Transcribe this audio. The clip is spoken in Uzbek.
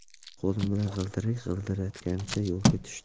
bir qo'lim bilan g'ildirak g'ildiratgancha yo'lga tushdim